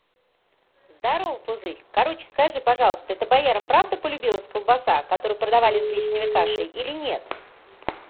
здорово пузырь короче скажи пожалуйста это боярам правда полюбилась колбаса которую подавались гречневой кашей или нет